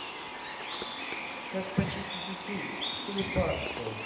как почистить утюг чтобы пар шел